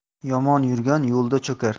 yomon yurgan yo'lda cho'kar